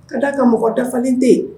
Ka d' a ka mɔgɔ dafalen tɛ yen